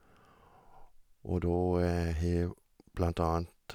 og da Jeg har jo blant annet...